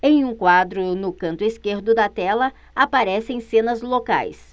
em um quadro no canto esquerdo da tela aparecem cenas locais